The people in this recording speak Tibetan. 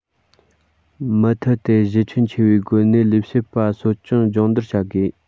མུ མཐུད དེ གཞི ཁྱོན ཆེ བའི སྒོ ནས ལས བྱེད པ གསོ སྐྱོང སྦྱོང བརྡར བྱ དགོས